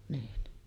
niin